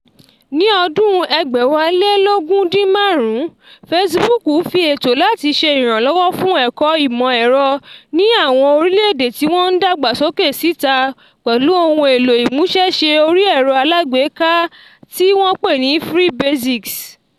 Ní ọdún 2015, Facebook fi ètò láti ṣe ìrànlọ́wọ́ fún ẹ̀kọ́ ìmọ̀-ẹ̀rọ ní àwọn orílẹ̀-èdè tí wọ́n ń dàgbà sókè síta pẹ̀lú ohun èlò ìmúṣẹ́ṣe orí ẹ̀rọ aláàgbéká tí wọ́n pè ní "Free Basics".